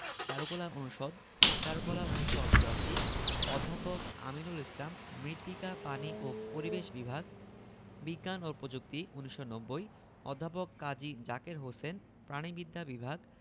চারুকলা অনুষদ চারুকলা ১৯৮৮ অধ্যাপক আমিনুল ইসলাম মৃত্তিকা পানি ও পরিবেশ বিভাগ বিজ্ঞান ও প্রযুক্তি ১৯৯০ অধ্যাপক কাজী জাকের হোসেন প্রাণিবিদ্যা বিভাগ